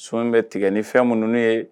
So bɛ tigɛ ni fɛn minnu n'o ye